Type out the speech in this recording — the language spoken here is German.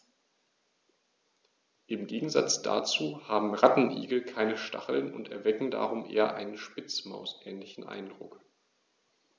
Im Gegensatz dazu haben Rattenigel keine Stacheln und erwecken darum einen eher Spitzmaus-ähnlichen Eindruck.